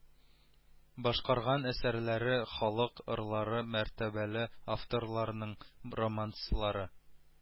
Башкарган әсәрләре халык ырлары мәртәбәле авторларның романслары